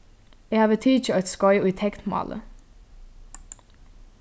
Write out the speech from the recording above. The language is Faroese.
eg havi tikið eitt skeið í teknmáli